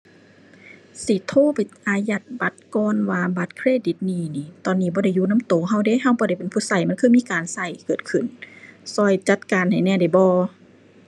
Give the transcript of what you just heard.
สิโทรไปอายัดบัตรก่อนว่าบัตรเครดิตนี้หนิ ตอนนี้บ่ได้อยู่นำตัวตัวเดะ ตัวบ่ได้เป็นผู้ตัวมันคือมีการตัวเกิดขึ้น ตัวจัดการให้แหน่ได้บ่